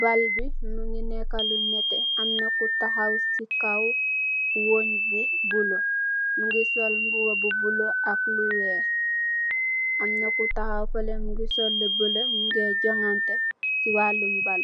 bal bii mungy nekah lu nehteh, amna ku takhaw cii kaw weungh bu bleu, njungy sol mbuba bu bleu ak lu wekh, amna ku takhaw fehleh mungy sol lu bleu njungeh johnganteh cii waaloum bal.